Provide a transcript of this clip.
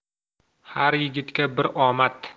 har yigitga bir omad